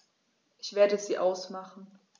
Ich werde sie ausmachen.